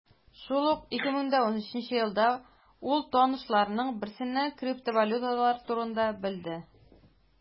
Шул ук 2013 елда ул танышларының берсеннән криптовалюталар турында белде.